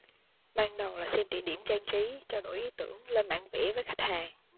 ban đầu là xem địa điểm trang trí trao đổi ý tưởng lên bản vẽ với khách hàng